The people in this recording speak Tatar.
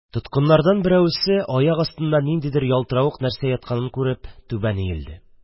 Тоткыннардан берәү аяк астында ниндидер ялтыравык нәрсә ятканын күреп түбән иелде.